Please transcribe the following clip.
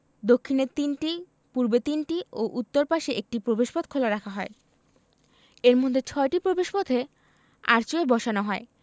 দক্ষিণে তিনটি পূর্বে তিনটি ও উত্তর পাশে একটি প্রবেশপথ খোলা রাখা হয় এর মধ্যে ছয়টি প্রবেশপথে আর্চওয়ে বসানো হয়